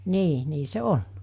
niin niin se on